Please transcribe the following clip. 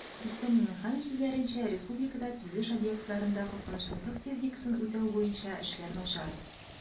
Рөстәм Миңнеханов сүзләренчә, республикада төзелеш объектларында куркынычсызлык техникасын үтәү буенча эшләр начар